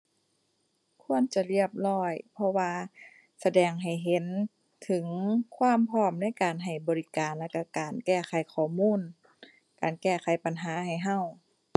ควรจะเรียบร้อย เพราะว่าแสดงให้เห็นถึงความพร้อมในการให้บริการและก็การแก้ไขข้อมูล การแก้ไขปัญหาให้ก็